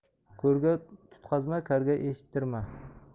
ko'rga tutqazma karga eshittirma